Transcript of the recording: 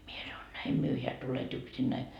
minä sanoin näin myöhään tulet yksinäsi